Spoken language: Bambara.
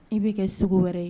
I bɛ kɛ segu wɛrɛ ye